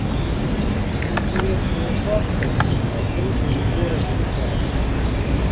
интересные факты от друга егора шипа